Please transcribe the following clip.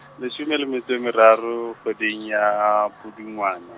leshome a le metso e meraro, kgweding ya Pudungwane.